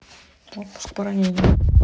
отпуск по ранению